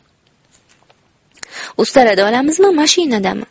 ustarada olamizmi mashinadami